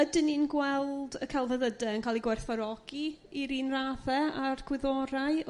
Ydyn ni'n gweld y celfyddyde yn cael uu gwerthfawrogi i'r un radde a'r gwyddorau?